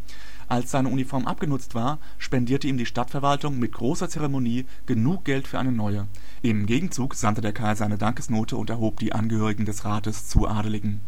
seine Uniform abgenutzt war, spendierte ihm die Stadtverwaltung mit großer Zeremonie genug Geld für eine neue. Im Gegenzug sandte der Kaiser eine Dankesnote und erhob die Angehörigen des Rates zu Adligen